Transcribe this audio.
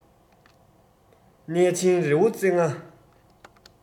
གནས ཆེན རི བོ རྩེ ལྔ